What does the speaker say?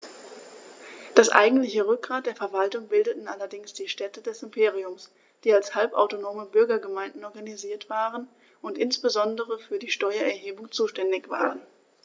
Das eigentliche Rückgrat der Verwaltung bildeten allerdings die Städte des Imperiums, die als halbautonome Bürgergemeinden organisiert waren und insbesondere für die Steuererhebung zuständig waren.